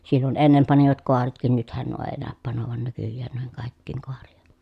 silloin ennen panivat kaaretkin nythän nuo ei näy panevan nykyään noihin kaikkiin kaaria